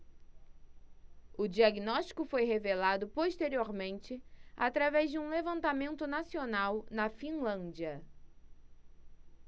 o diagnóstico foi revelado posteriormente através de um levantamento nacional na finlândia